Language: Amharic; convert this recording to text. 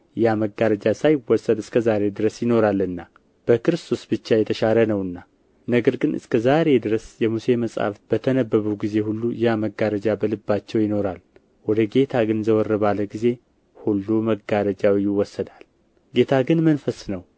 ያ መጋረጃ ሳይወሰድ እስከ ዛሬ ድረስ ይኖራልና በክርስቶስ ብቻ የተሻረ ነውና ነገር ግን እስከ ዛሬ ድረስ የሙሴ መጻሕፍት በተነበቡ ጊዜ ሁሉ ያ መጋረጃ በልባቸው ይኖራል ወደ ጌታ ግን ዘወር ባለ ጊዜ ሁሉ መጋረጃው ይወሰዳል ጌታ ግን መንፈስ ነው